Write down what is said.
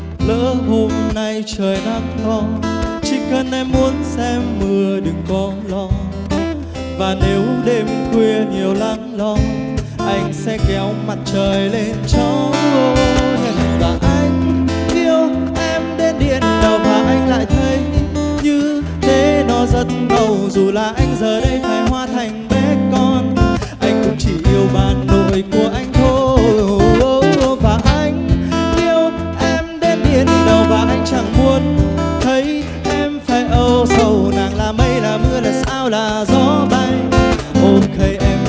lỡ hôm nay trời nắng to chỉ cần em muốn xem mưa đừng có lo và nếu đêm khuya nhiều lắng lo anh sẽ kéo mặt trời lên cho và anh yêu em đến điên đầu mà anh lại thấy như thế nó rất ngầu dù là anh giờ đây phải hóa thành bé con anh vẫn chỉ yêu bà nội của anh thôi và anh yêu em đến điên đầu mà anh chẳng muốn thấy em phải âu sầu nàng là mây là mưa là sao là gió bay ô cây em